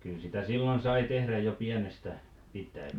kyllä sitä silloin sai tehdä jo pienestä pitäen